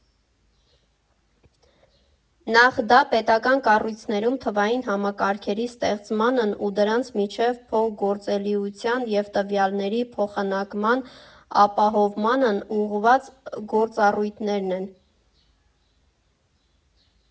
Նախ դա պետական կառույցներում թվային համակարգերի ստեղծմանն ու դրանց միջև փոխգործելիության և տվյալների փոխանակման ապահովմանն ուղղված գործառույթներն են։